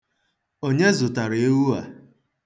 Onye zụtara ewu a?